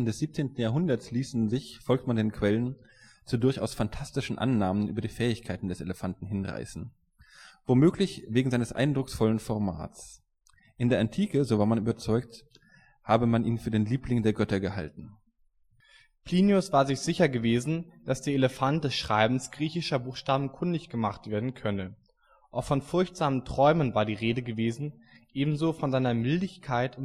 17. Jahrhunderts ließen sich, folgt man den Quellen, zu durchaus fantastischen Annahmen über die Fähigkeiten des Elefanten hinreißen, womöglich wegen seines eindrucksvollen Formats. In der Antike, so war man überzeugt, habe man ihn für den „ Liebling der Götter “gehalten; Plinius war sich sicher gewesen, dass der Elefant des Schreibens griechischer Buchstaben kundig gemacht werden könne. Auch von furchtsamen Träumen war die Rede gewesen, ebenso von seiner „ mildigkeit